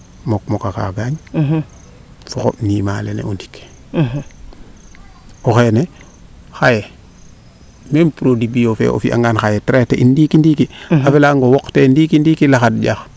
mokmok a kaagaañ fo o xomb niima lene o ndik o xeene xaye meme produit bio fee o fiya ngana xaye traiter in ndiiki ndiiki ndiiki a fel nga o woq te ndiiki ndiiki o woq njax